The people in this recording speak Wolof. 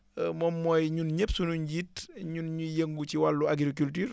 moom mooy ñun ñëpp sunu njiit ñun ñuy yëngu ci wàllu agriculture